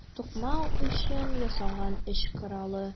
Тукмау өчен ясалган эш коралы.